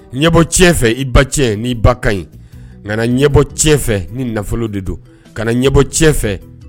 Ɲɛbɔ cɛfɛ i ba cɛ ni i ba ka ɲi ka ɲɛbɔ cɛfɛ ni nafolo de don ka ɲɛbɔ cɛ fɛ